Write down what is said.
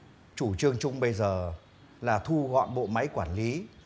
chủ trương chung bây giờ là thu gọn bộ máy quản lý